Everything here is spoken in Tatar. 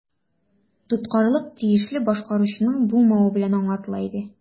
Тоткарлык тиешле башкаручының булмавы белән аңлатыла иде.